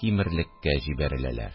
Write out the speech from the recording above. Тимерлеккә җибәреләләр